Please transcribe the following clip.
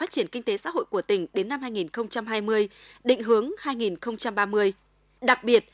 phát triển kinh tế xã hội của tỉnh đến năm hai nghìn không trăm hai mươi định hướng hai nghìn không trăm ba mươi đặc biệt